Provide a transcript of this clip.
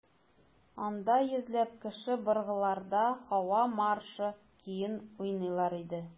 Анда йөзләп кеше быргыларда «Һава маршы» көен уйныйлар иде.